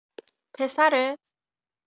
پسرت؟